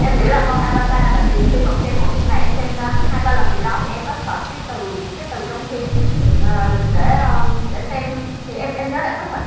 em nghĩ là câu a va ta tại vì khi mà xem bộ phim này em xem hai ba lần gì đó thì em có sợt cái từ cái từ trong phim để để xem thì em em nhớ em có sợt